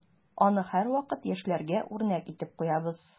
Аны һәрвакыт яшьләргә үрнәк итеп куябыз.